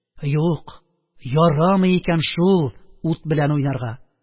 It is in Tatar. «юк, ярамый икән шул ут белән уйнарга!»